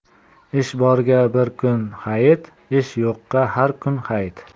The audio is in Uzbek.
ishi borga bir kun hayit ishi yo'qqa har kun hayit